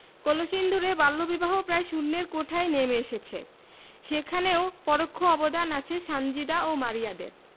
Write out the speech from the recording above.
কলসিন্দুরে বাল্যবিবাহ প্রায় শূন্যের কোঠায় নেমে এসেছে সেখানেও পরোক্ষ অবদান আছে সানজিদা ও মারিয়াদের